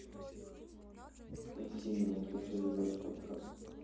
афина я хочу задать вопрос